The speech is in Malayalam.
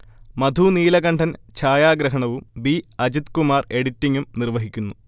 മധു നീലകണ്ഠൻ ഛായാഗ്രഹണവും ബി. അജിത്കുമാർ എഡിറ്റിങും നിർവഹിക്കുന്നു